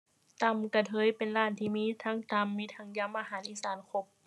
ตำกะเทยเป็นร้านที่มีทั้งตำมีทั้งยำอาหารอีสานครบ